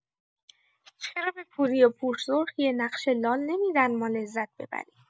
چرا به پوریا پورسرخ یه نقش لال نمی‌دن ما لذت ببریم؟